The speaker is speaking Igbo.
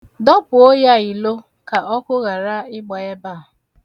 Dọpụo ya ilo, ka ọkụ ghara ịgba ebe a.